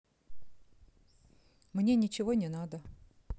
мне ничего не надо